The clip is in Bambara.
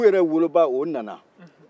u yɛrɛ wolo ba o nana